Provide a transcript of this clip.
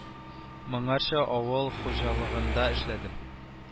Моңарчы авыл хуҗалыгында эшләдем